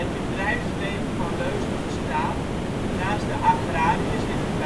bedrijfsleven van Leusden bestaat, naast de agrariërs in het